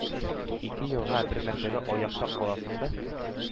Ике елга бер мәртәбә оятка каласың да